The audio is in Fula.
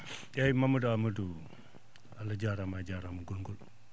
eeyi Mamadou Amadou Allah jaaraama a jaaraama gongol